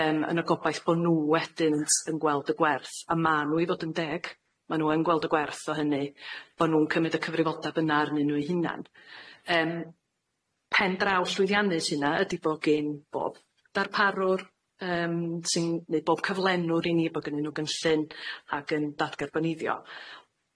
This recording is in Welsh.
Yym yn y gobaith bo n'w wedyn s- yn gweld y gwerth a ma' n'w i fod yn deg, ma n'w yn gweld y gwerth o hynny bo' nw'n cymyd y cyfrifoldeb yna arnyn n'w 'u hunan, yym pen draw llwyddiannus hynna ydi bo gin bob darparwr yym sy'n neud bob cyflenwr i ni bo gynnyn nw gynllun ag yn dadgarboniddio.